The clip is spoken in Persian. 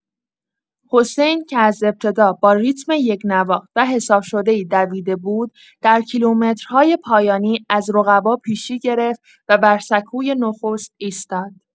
حسین که از ابتدا با ریتم یکنواخت و حساب‌شده‌ای دویده بود، در کیلومترهای پایانی از رقبا پیشی گرفت و بر سکوی نخست ایستاد.